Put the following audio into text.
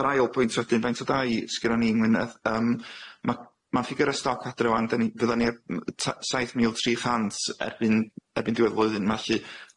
Yr ail bwynt wedyn faint o dai sgennon ni yng Ngwynedd yym ma' ma'n ffigyre stop adre ŵan dyn ni fyddwn ni ar m- t- saith mil tri chant erbyn erbyn diwedd y flwyddyn ma' lly,